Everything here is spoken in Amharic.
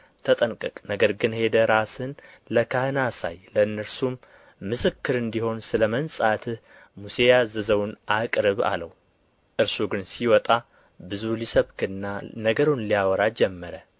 ተጠንቀቅ ነገር ግን ሄደህ ራስህን ለካህን አሳይ ለእነርሱም ምስክር እንዲሆን ስለ መንጻትህ ሙሴ ያዘዘውን አቅርብ አለው እርሱ ግን ሲወጣ ብዙ ሊሰብክና ነገሩን ሊያወራ ጀመረ